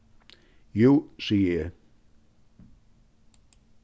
jú sigi eg